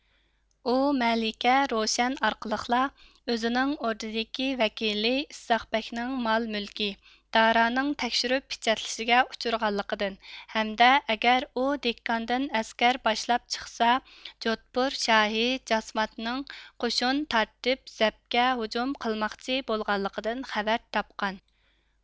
ئۇ مەلىكە روشەن ئارقىلىقلا ئۆزىنىڭ ئوردىدىكى ۋەكىلى ئىسھاقبەگنىڭ مال مۈلكى دارانىڭ تەكشۈرۈپ پېچەتلىشىگە ئۇچرىغانلىقىدىن ھەمدە ئەگەر ئۇ دېككاندىن ئەسكەر باشلاپ چىقسا جودپۇر شاھى جاسۋانتنىڭ قوشۇن تارتىپ زەپكە ھۇجۇم قىلماقچى بولغانلىقىدىن خەۋەر تاپقان